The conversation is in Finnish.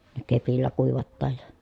ne kepillä kuivataan ja